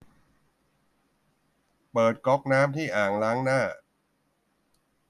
เปิดก๊อกน้ำที่อ่างล้างหน้า